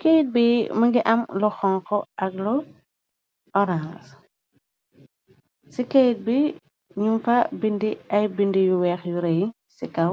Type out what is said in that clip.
Keyte bi më ngi am loxonko, ak lo orange, ci kayte bi ñum fa bindi ay bind yu weex, yu rey kaw